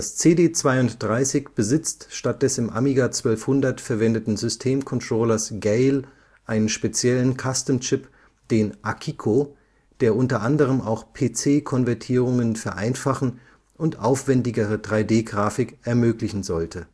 CD³² besitzt statt des im Amiga 1200 verwendeten Systemcontrollers Gayle einen speziellen Custom-Chip, den Akiko, der unter anderem auch PC-Konvertierungen vereinfachen und aufwendigere 3D-Grafik ermöglichen sollte